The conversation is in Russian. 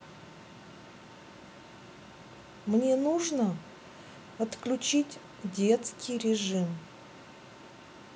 мне нужно отключить детский режим